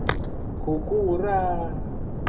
куку ура